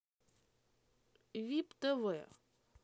вип тв